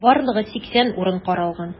Барлыгы 80 урын каралган.